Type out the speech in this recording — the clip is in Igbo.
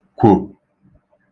kwò